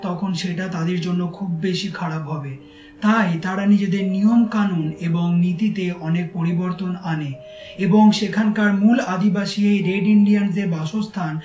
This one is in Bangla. তখন সেটা তাদের জন্য খুব বেশি খারাপ হবে তাই তারা নিজেদের নিয়ম কানুন এবং নীতিতে অনেক পরিবর্তন আনে এবং সেখানকার মূল আদিবাসী রেড ইন্ডিয়ানস দের বাসস্থান